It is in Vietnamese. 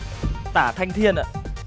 tả thanh thiên